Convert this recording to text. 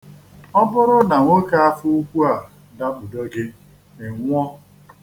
Ọ bụrụ na nwoke afọ ukwu a dakpudo gị, ị nwụọ.